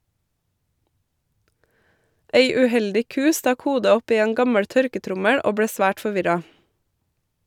Ei uheldig ku stakk hodet opp i en gammel tørketrommel og ble svært forvirra.